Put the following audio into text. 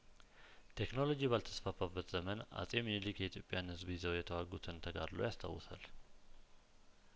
ቴክኖሎጂ ባልተስፋፋበት ዘመን አጼ ሚኒልክ የኢትዮጵያን ህዝብ ይዘው የተዋጉትን ተጋድሎ ያስታውሳል